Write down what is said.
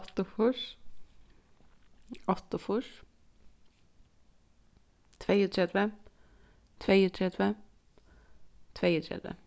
áttaogfýrs áttaogfýrs tveyogtretivu tveyogtretivu tveyogtretivu